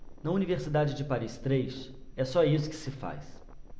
na universidade de paris três é só isso que se faz